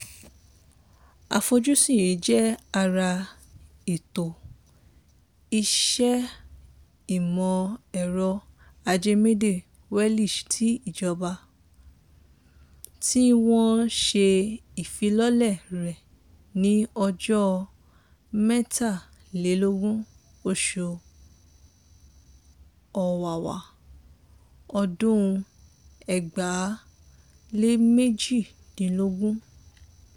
Àfojúsùn yìí jẹ́ ara Ètò Ìṣe Ìmọ̀-ẹ̀rọ Ajẹmédè Welsh ti ìjọba, tí wọ́n ṣe ìfilọ́lẹ̀ rẹ̀ ní ọjọ́ 23 oṣù Ọ̀wàwà, ọdún 2018.